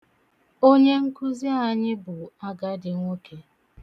Onye nkuzị anyị bụ agadi nwoke.